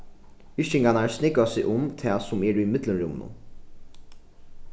yrkingarnar snúgva seg um tað sum er í millumrúmunum